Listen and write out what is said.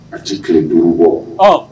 A ci tile duuru bɔ